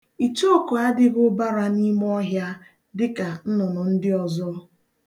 Ichooku adịghi ̣ụbara n'ime ọhịa dịka nnụnụ ndị ọzọ.